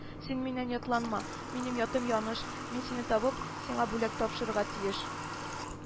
Син миннән ятланма, минем атым яныш, мин сине табып, сиңа бүләк тапшырырга тиеш